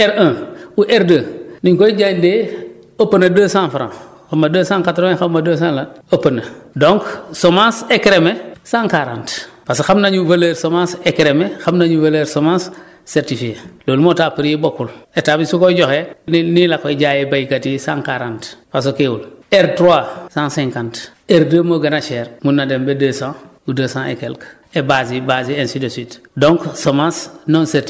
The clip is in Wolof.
parce que soo demee semence certifiée R1 ou R2 li ñu koy jëndee ëpp na 200F xaw ma 280 xaw ma 200 lan ëpp na donc semence écrémée 140 parce que xam nañu valeur semence écrémée xam nañu valeur semence certifiée loolu moo tax prix yi bokkul état bi su koy joxe nii nii la koy jaayee béykat yi 140 parce que kiiwul R3 150 R2 moo gën a cher mën na dem ba 200 ou 200 et queslques et bases yi bases yi ainsi de suite